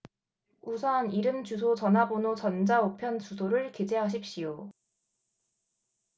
우선 이름 주소 전화번호 전자 우편 주소를 기재하십시오